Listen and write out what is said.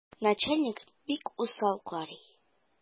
Начальник бик усал карый.